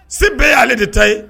Se bɛɛ ye ale de ta ye